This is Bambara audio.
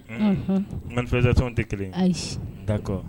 Unhun manifestation w te 1 ye ayi d'accord